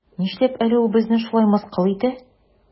Нишләп әле ул безне шулай мыскыл итә?